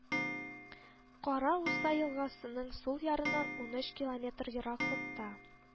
Кара Уса елгасының сул ярыннан унөч километр ераклыкта